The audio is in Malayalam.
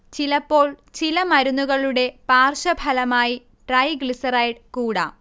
ചിലപ്പോൾ ചില മരുന്നുകളുടെ പാർശ്വഫലമായി ട്രൈഗ്ലിസറൈഡ് കൂടാം